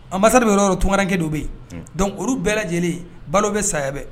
,Embrassade bɛ yɔrɔ yɔrɔ, tunkaranke dɔ bɛ yen, unhun, , dɔnc _olu bɛɛ lajɛlen balo bɛ saya bɛ.